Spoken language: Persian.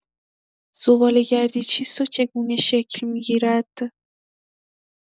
زباله‌گردی چیست و چگونه شکل می‌گیرد؟